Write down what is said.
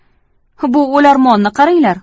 bu o'larmonni qaranglar